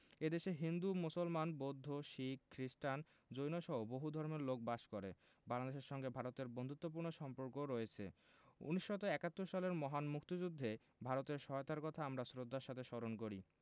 এ দেশে হিন্দু মুসলমান বৌদ্ধ শিখ খ্রিস্টান জৈনসহ বহু ধর্মের লোক বাস করে বাংলাদেশের সঙ্গে ভারতের বন্ধুত্তপূর্ণ সম্পর্ক রয়ছে ১৯৭১ সালের মহান মুক্তিযুদ্ধে ভারতের সহায়তার কথা আমরা শ্রদ্ধার সাথে স্মরণ করি